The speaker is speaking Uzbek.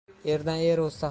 erdan er o'zsa